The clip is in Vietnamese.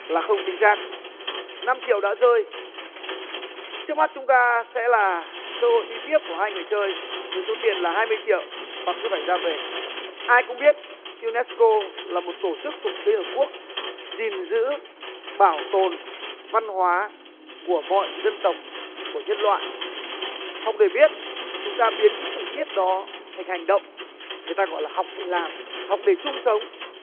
là không chính xác năm triệu đã rơi trước mắt chúng ta sẽ là cơ hội đi tiếp của hai người chơi với số tiền là hai mươi triệu hoặc sẽ phải ra về ai cũng biết iu nét cô là một tổ chức thuộc liên hiệp quốc gìn giữ bảo tồn văn hóa của mọi dân tộc của nhân loại học để biết chúng ta biến cái sự biết đó thành hành động người ta gọi là học để làm học để chung sống